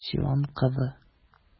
Сион кызы!